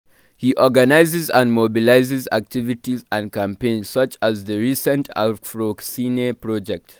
He organizes and mobilizes activities and campaigns such as the recent AfroCine project.